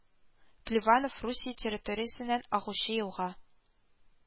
Клеванов Русия территориясеннән агучы елга